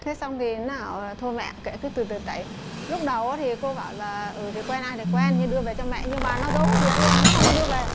thế xong thì nó ảo là thôi mẹ ạ kệ cứ từ từ tại lúc đầu ớ thì cô bảo là ừ thì quen ai thì quen nhưng đưa về cho mẹ nhưng mà nó giấu biệt luôn nó không có đưa về